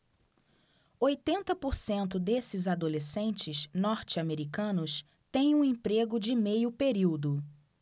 oitenta por cento desses adolescentes norte-americanos têm um emprego de meio período